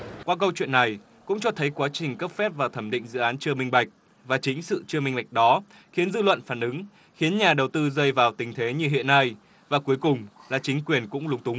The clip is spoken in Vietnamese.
qua câu chuyện này cũng cho thấy quá trình cấp phép và thẩm định dự án chưa minh bạch và chính sự chưa minh bạch đó khiến dư luận phản ứng khiến nhà đầu tư rơi vào tình thế như hiện nay và cuối cùng là chính quyền cũng lúng túng